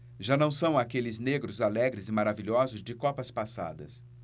já não são aqueles negros alegres e maravilhosos de copas passadas